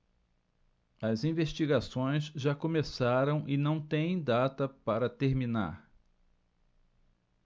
as investigações já começaram e não têm data para terminar